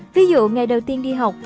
ví dụ ngày đầu tiên đi học